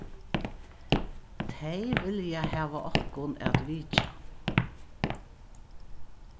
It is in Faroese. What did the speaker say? tey vilja hava okkum at vitja